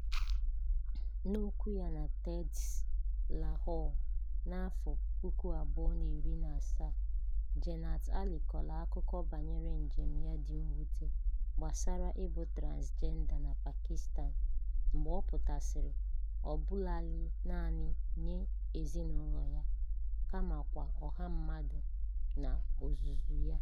N'okwu ya na TEDxLahore n'afọ 2017, Jannat Ali kọrọ akụkọ banyere njem ya dị mwute gbasara ịbụ transịjenda na Pakistan mgbe ọ pụtasịrị ọ bụlaghị naanị nye ezinụlọ ya kamakwa ọha mmadụ n'ozuzu ya.